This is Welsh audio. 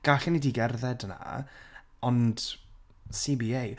Gallwn i 'di gerdded yna, ond CBA.